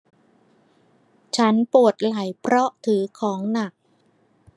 ฉันปวดไหล่เพราะถือของหนัก